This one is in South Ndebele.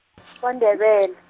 kwaNdebele.